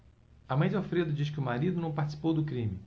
a mãe de alfredo diz que o marido não participou do crime